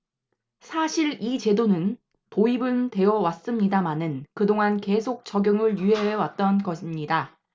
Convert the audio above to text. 사실 이 제도는 도입은 되어 왔습니다마는 그동안 계속 적용을 유예해 왔던 겁니다